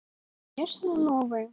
ну конечно новая